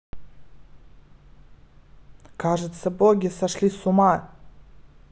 кажется боги сошли с ума